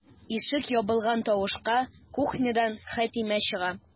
Ишек ябылган тавышка кухнядан Хәтимә чыга.